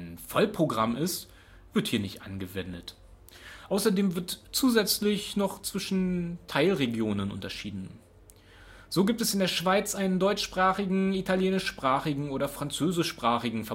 Vollprogramm ist, wird hier nicht angewendet. Außerdem wird zusätzlich noch zwischen Teilregionen unterschieden. So gibt es in der Schweiz einen deutschsprachigen, italienischsprachigen oder französischsprachigen